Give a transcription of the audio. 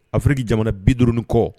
Afiriki jamana bidurun kɔ